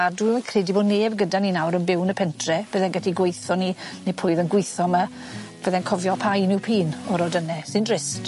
A dwi'm yn credu bo' neb gyda ni nawr yn byw yn y pentre bydde'n gyllu gweitho ni ne' pwy o'dd yn gwitho ma' fydde'n cofio pa un yw p'un o'r odyne sy'n drist.